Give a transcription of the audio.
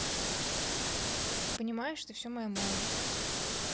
понимаешь это все моей молодости